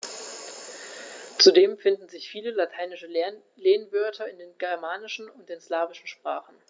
Zudem finden sich viele lateinische Lehnwörter in den germanischen und den slawischen Sprachen.